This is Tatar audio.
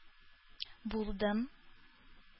Булдым